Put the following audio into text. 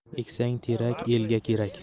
eksang terak elga kerak